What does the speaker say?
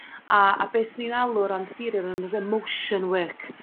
[anadl] A a be' swn i'n alw o ran theori o ran yr emotion work